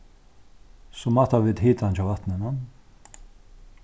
so mátaðu vit hitan hjá vatninum